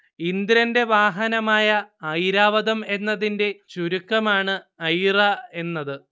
ഇന്ദ്രന്റെ വാഹനമായ ഐരാവതം എന്നതിന്റെ ചുരുക്കമാണ് ഐറ എന്നത്